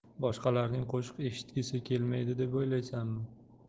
boshqalarning qo'shiq eshitgisi kelmaydi deb o'ylaysanmi